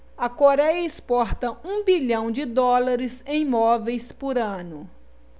a coréia exporta um bilhão de dólares em móveis por ano